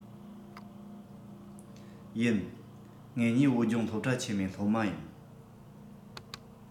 ཡིན ངེད གཉིས བོད ལྗོངས སློབ གྲྭ ཆེན མོའི སློབ མ ཡིན